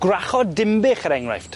Gwrachod Dinbych er enghraifft.